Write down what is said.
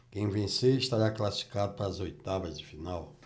quem vencer estará classificado para as oitavas de final